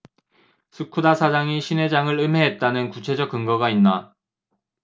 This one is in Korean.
스쿠다 사장이 신 회장을 음해했다는 구체적 근거가 있나